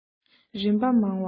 རིམ པ མང བ